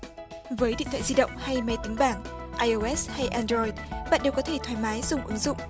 với điện thoại di động hay máy tính bảng ai ô ét hay ăn roi bạn đều có thể thoải mái dùng ứng dụng